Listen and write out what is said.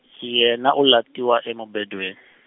yena u to latiwa emubedweni.